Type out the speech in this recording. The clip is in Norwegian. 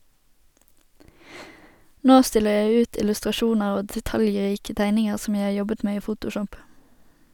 Nå stiller jeg ut illustrasjoner og detaljrike tegninger som jeg har jobbet med i photoshop.